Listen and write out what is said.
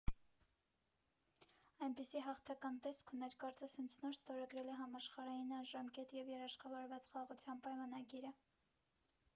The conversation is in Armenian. Այնպիսի հաղթական տեսք ուներ, կարծես հենց նոր ստորագրել է համաշխարհային անժամկետ և երաշխավորված խաղաղության պայմանագիրը։